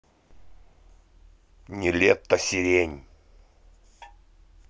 нилетто сирень